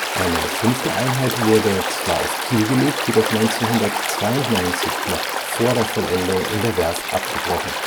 Eine fünfte Einheit wurde zwar auf Kiel gelegt, jedoch 1992 noch vor der Vollendung in der Werft abgebrochen